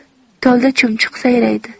tolda chumchuq sayraydi